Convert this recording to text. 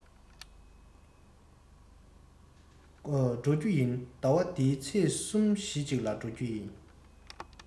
འགྲོ རྒྱུ ཡིན ཟླ བ འདིའི ཚེས གསུམ བཞི ཅིག ལ འགྲོ གི ཡིན